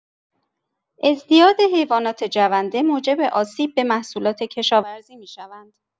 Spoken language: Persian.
ازدیاد حیوانات جونده موجب آسیب به محصولات کشاورزی می‌شوند.